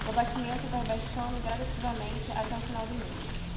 o abatimento vai baixando gradativamente até o final do mês